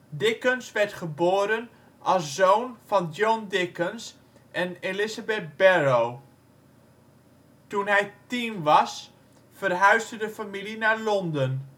Dickens werd geboren als zoon van John Dickens en Elizabeth Barrow. Toen hij tien was, verhuisde de familie naar Londen